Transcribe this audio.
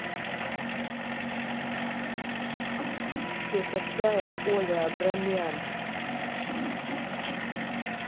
кто такая оля абрамян